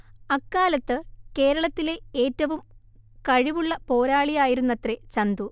അക്കാലത്ത് കേരളത്തിലെ ഏറ്റവും കഴിവുള്ള പോരാളിയായിരുന്നത്രേ ചന്തു